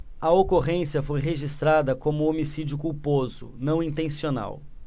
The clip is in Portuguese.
a ocorrência foi registrada como homicídio culposo não intencional